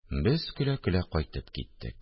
Без көлә-көлә кайтып киттек